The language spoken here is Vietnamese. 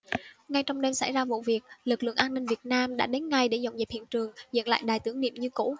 ngay trong đêm xảy ra vụ việc lực lượng an ninh việt nam đã đến ngay để dọn dẹp hiện trường dựng lại đài tưởng niệm như cũ